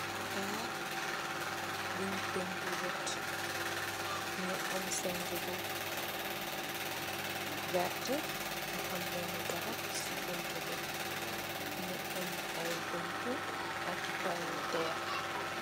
Ndaa buñ pentir redd mugii am seng bu werta mugii am benna garab ci buntu bi, mugii am ay buntu ak ki palanterr.